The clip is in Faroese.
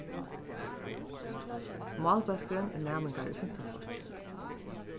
málbólkurin er næmingar í fimta flokki